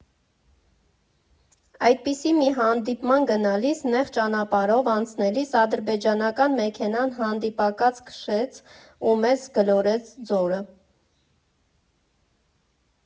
Այդպիսի մի հանդիպման գնալիս նեղ ճանապարհով անցնելիս ադրբեջանական մեքենան հանդիպակաց քշեց ու մեզ գլորեց ձորը։